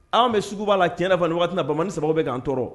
Anw bɛ suguba la tiɲɛna fana ni waati bamani 3 bɛ k'an tɔɔrɔ